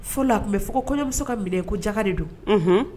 Fo la tun bɛ fɔ kɔɲɔmuso ka minɛ ko jaka de don